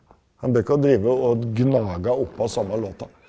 man bør ikke drive å gnage oppå samme låta.